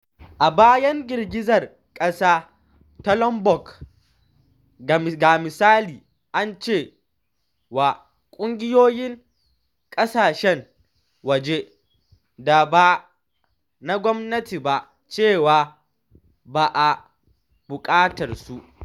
A bayan girgizar ƙasa ta Lombok, ga misali, an ce wa ƙungiyoyin ƙasashen waje da ba na gwamnati ba cewa ba a buƙatarsu.